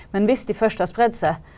men hvis de først har spredd seg.